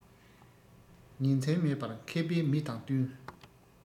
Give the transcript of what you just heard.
ཉིན མཚན མེད པར མཁས པའི མི དང བསྟུན